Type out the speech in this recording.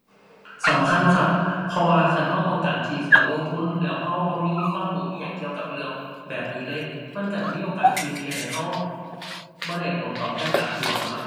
สำคัญครับ เพราะว่าคันเราต้องการที่ จะลงทุน แล้วเราบ่มีความรู้อิหยังเกี่ยวกับเรื่องแบบนี้เลย มันเรามีโอกาสที่สิเฮ็ดให้เราบ่ได้ผลตอบแทนตามที่หวังครับ ⁠